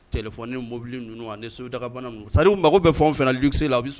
Kɛlɛbili sa mako bɛ fɛn fana